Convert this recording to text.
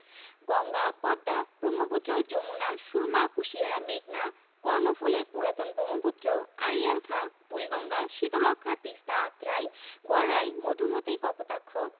৩৭০ দশমিক ৪ কিলোমিটার পর্যন্ত বিস্তৃত প্রশাসনিক এককঃ ২০০৮ এর তথ্য অনুযায়ী বিভাগ ৭টি ঢাকা চট্টগ্রাম খুলনা